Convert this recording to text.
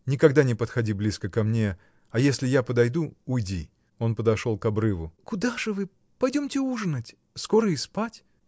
Никогда не подходи близко ко мне, а если я подойду — уйди! Он подошел к обрыву. — Куда же вы? Пойдемте, ужинать! Скоро и спать.